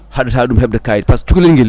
haɗata ɗum hebde kayit par ce que cukalel nguel